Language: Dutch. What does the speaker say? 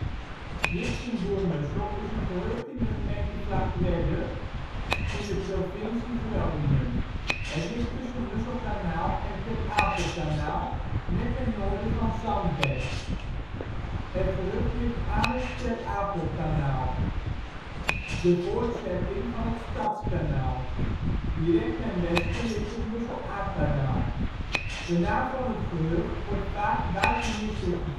Jipsingboermussel is een gehucht in de gemeente Vlagtwedde in de provincie Groningen. Het ligt tussen Musselkanaal en Ter Apelkanaal, net ten noorden van Zandberg. Het gehucht ligt aan het Ter Apelkanaal, de voortzetting van het Stadskanaal. Direct ten westen ligt het Mussel-Aa-kanaal. De naam van het gehucht wordt vaak buitenissig